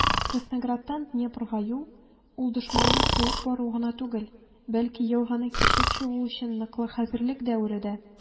Краснограддан Днепрга юл - ул дошманны куып бару гына түгел, бәлки елганы кичеп чыгу өчен ныклы хәзерлек дәвере дә.